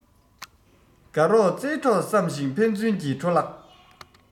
དགའ རོགས རྩེད གྲོགས བསམ ཞིང ཕན ཚུན གྱི འཕྲོ བརླག